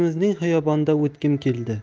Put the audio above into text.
o'zimizning xiyobondan o'tgim keldi